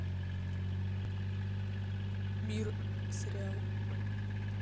мир сериал